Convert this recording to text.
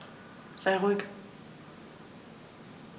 Sei ruhig.